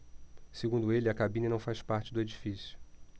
segundo ele a cabine não faz parte do edifício